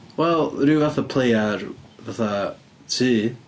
Wel, rhyw fath o play ar, fatha, tŷ.